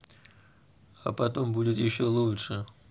а потом будет еще лучше